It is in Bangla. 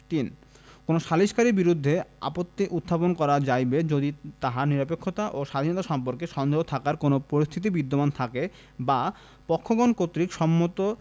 ৩ কোন সালিসকারীর বিরুদ্ধে আপত্তি উত্থাপন করা যাইবে যদি তাহার নিরপেক্ষতা ও স্বাধীনতা সম্পর্কে সন্দেহ থাকার কোন পরিস্থিতি বিদ্যমান থাকে বা পক্ষগণ কর্তৃক সম্মত